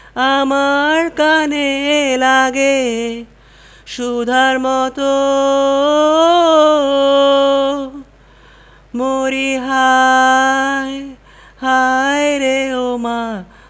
আমার কানে লাগে সুধার মতো মরিহায় হায়রে ও মা